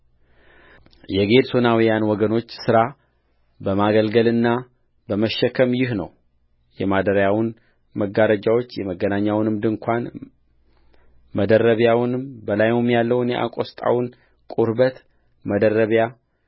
የጌድሶናውያን ወገኖች ሥራ በማገልገልና በመሸከም ይህ ነውየማደሪያውን መጋረጆች የመገናኛውንም ድንኳን መደረቢያውን በላዩም ያለውን የአቆስጣውን ቁርበት መደረቢያ